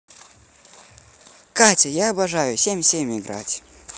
катя я обожаю семь семь играть